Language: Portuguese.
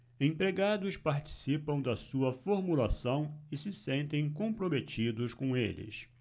empregados participam da sua formulação e se sentem comprometidos com eles